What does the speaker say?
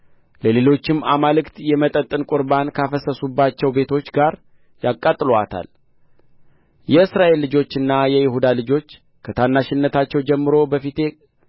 ለሌሎችም አማልክት የመጠጥን ቁርባን ካፈሰሱባቸው ቤቶች ጋር ያቃጥሉአታል የእስራኤል ልጆችና የይሁዳ ልጆች ከታናሽነታቸው ጀምሮ በፊቴ